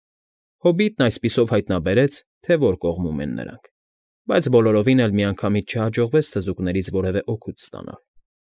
Հոբիտն այսպիսով հայտանաբերեց, թե որ կողմում են նրանք, բայց բոլորովին էլ միանգամից չհաջողվեց թզուկներից որևէ օգուտ ստանալ։